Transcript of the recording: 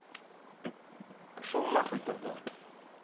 пошел нахуй тогда